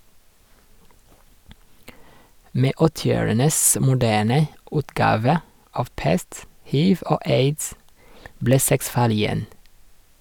Med åttiårenes moderne utgave av pest, hiv og aids, ble sex farlig igjen.